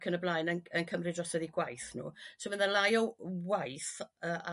ac yn y blaen yn yn cymryd drosodd 'u gwaith nhw so fy' 'na lai o waith yrr